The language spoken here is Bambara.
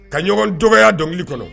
Ka ɲɔgɔn dɔgɔya dɔnkili kɔnɔ